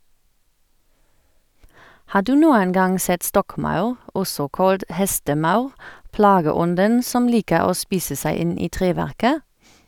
Har du noen gang sett stokkmaur, også kalt hestemaur, plageånden som liker å spise seg inn i treverket?